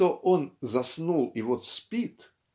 что он "заснул и вот спит"